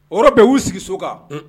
O yɔrɔ bɛɛ'u sigiso kan